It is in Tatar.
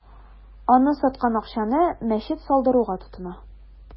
Аны саткан акчаны мәчет салдыруга тотына.